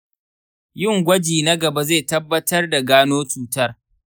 yin gwaji na gaba zai tabbatar da gano cutar.